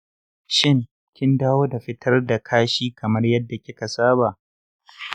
shin kin dawo da fitar da kashi kamar yadda kika saba?